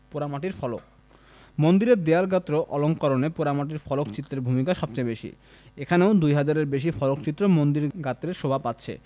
পোড়ামাটির ফলক মন্দিরের দেয়ালগাত্র অলঙ্করণে পোড়ামাটির ফলকচিত্রের ভূমিকা সবচেয়ে বেশি এখনও ২হাজার এরও বেশি ফলকচিত্র মন্দির গাত্রে শোভা পাচ্ছে